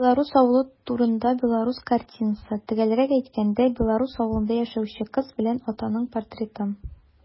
Белорус авылы турында белорус картинасы - төгәлрәк әйткәндә, белорус авылында яшәүче кыз белән атаның портреты.